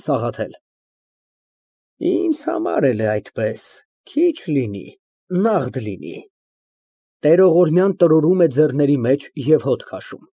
ՍԱՂԱԹԵԼ ֊ Ինձ համար էլ այդպես է, քիչ լինի, նաղդ լինի։ (Տերողորմյան տրորում է ձեռքերի մեջ և հոտ քաշում)։